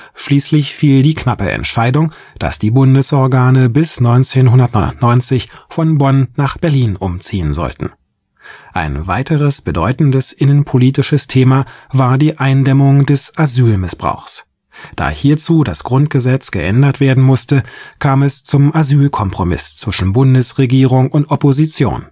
Schließlich fiel die knappe Entscheidung, dass die Bundesorgane bis 1999 von Bonn nach Berlin umziehen sollten. Ein weiteres bedeutendes innenpolitisches Thema war die Eindämmung des Asylmissbrauchs. Da hierzu das Grundgesetz geändert werden musste, kam es zum Asylkompromiss zwischen Bundesregierung und Opposition